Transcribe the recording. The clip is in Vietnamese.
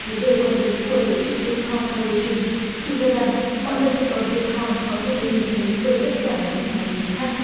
vấn đề quản lý của tổ chức việt con pho đây sừn chỉ ra rằng mọi giao dịch bằng việt con có thể được nhìn thấy bởi tất cả những máy tính khác